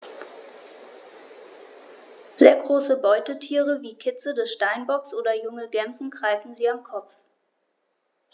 Sehr große Beutetiere wie Kitze des Steinbocks oder junge Gämsen greifen sie am Kopf.